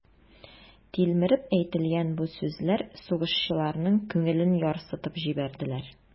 Тилмереп әйтелгән бу сүзләр сугышчыларның күңелен ярсытып җибәрделәр.